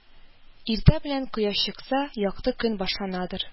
Иртә белән, Кояш чыкса, якты көн башланадыр